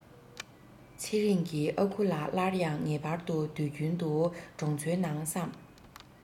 ཚེ རིང གི ཨ ཁུ ལ སླར ཡང ངེས པར དུ དུས རྒྱུན དུ གྲོང ཚོའི ནང བསམ